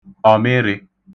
ọ̀mịrị̄